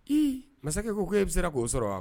I masakɛ ko ko e bɛ sera k'o sɔrɔ wa